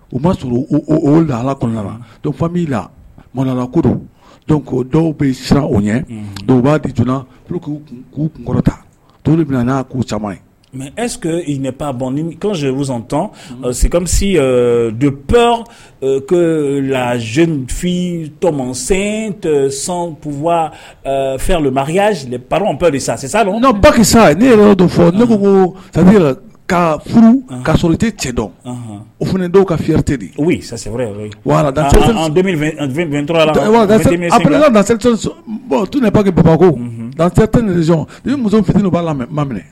U b' sɔrɔ la kɔnɔna b'i la mɔnla ko ko dɔw bɛ siran u ɲɛ dɔw b' dij k'u k'u kɔrɔta to de bɛ n'a k'u caman ye mɛ ɛsseke ɲɛ bɔn nisosɔntɔn se do la zfin tɔmɔsen san fɛn ma y'a bɛɛ sasisa dɔn bakisa ne yɛrɛ yɔrɔ don fɔ ne ko ko ka furu ka sɔrɔ tɛ cɛ dɔn o fana dɔw ka fite de bɔn tun ni paki babakot nison muso fitini b'a la ma minɛ